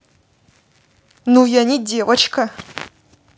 ну я не девочка